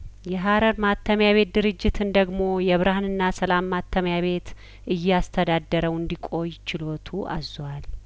የሀረር ማተሚያ ቤት ድርጅትን ደግሞ የብርሀንና ሰላም ማተሚያ ቤት እያስተዳደረው እንዲ ቆይችሎቱ አዟል